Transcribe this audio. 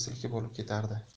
silkib olib ketardi